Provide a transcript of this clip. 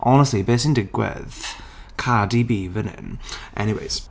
Honestly, be sy'n digwydd? Cardi B fan hyn! Anyways...